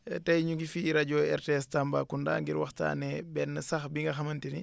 tey ñu ngi fii rajo RTS Tambacounda ngir waxtaanee benn sax bi nga xamante ni